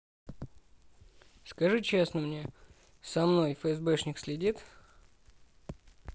скажи честно мне со мной фсбшник следит